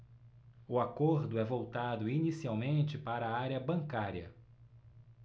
o acordo é voltado inicialmente para a área bancária